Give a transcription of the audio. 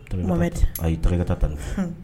A tkɛta tan